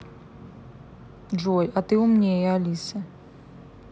джой а ты умнее алисы